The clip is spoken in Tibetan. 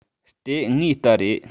དེ ངའི རྟ རེད